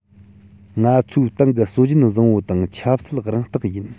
ང ཚོའི ཏང གི སྲོལ རྒྱུན བཟང པོ དང ཆབ སྲིད རང རྟགས ཡིན